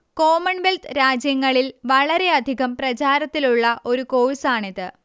Commonwealth രാജ്യങ്ങളിൽ വളരെയധികം പ്രചാരത്തിലുള്ള ഒരു കോഴ്സാണിത്